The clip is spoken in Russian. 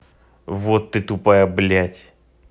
вот ты тупая блядь